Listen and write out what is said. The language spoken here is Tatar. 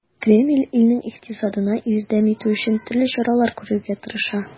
Кремль илнең икътисадына ярдәм итү өчен төрле чаралар күрергә тырыша.